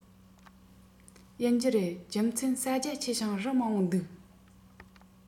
ཡིན རྒྱུ རེད རྒྱུ མཚན ས རྒྱ ཆེ ཞིང རི མང པོ འདུག